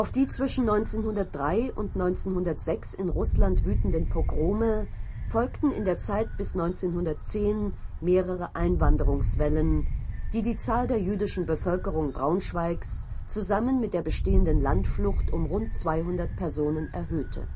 die zwischen 1903 und 1906 in Russland wütenden Pogrome folgten in der Zeit bis 1910 mehrere Einwanderungswellen, die die Zahl der jüdischen Bevölkerung Braunschweigs zusammen mit der bestehenden Landflucht um rund 200 Personen erhöhte